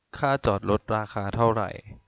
ค่าจอดรถราคาเท่าไหร่